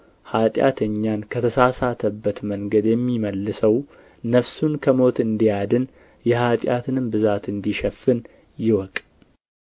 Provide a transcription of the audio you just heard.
ኃጢአተኛን ከተሳሳተበት መንገድ የሚመልሰው ነፍሱን ከሞት እንዲያድን የኃጢአትንም ብዛት እንዲሸፍን ይወቅ